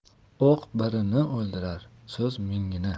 o'q birni o'ldirar so'z mingni